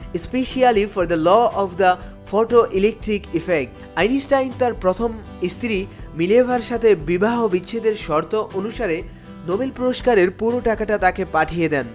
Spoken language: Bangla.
specially for the of the photoelectric effect Einstein তার প্রথম স্ত্রী মিলেভারেরর সাথে বিবাহ বিচ্ছেদের শর্ত অনুসারে নোবেল পুরস্কারের পুরো টাকাটা তাকে পাঠিয়ে দেন